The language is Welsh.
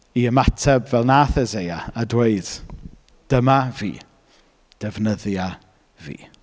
I ymateb fel wnaeth Eseia, a dweud, "dyma fi, defnyddia fi".